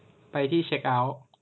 ไปที่เช็คเอ้าท์